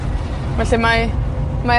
Felly mae, mae